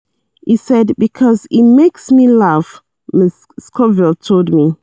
"He said, "Because he makes me laugh,"" Ms. Scovell told me.